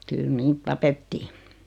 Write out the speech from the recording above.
kyllä niitä tapettiin